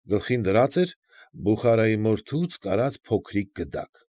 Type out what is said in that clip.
Գլխին դրած էր Բուխարայի մորթուց կարած փոքրիկ գդակ։